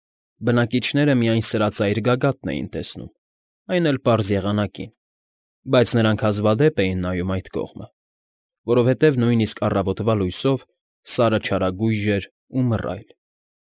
Բնակիչները միայն սրածայր գագաթն էին տեսնում, այն էլ պարզ եղանակին, բայց նրանք հազվադեպ էին նայում այդ կողմը, որովհետև նույնիսկ առավոտվա լույսով Սարը չարագույժ էր ու մռայլ։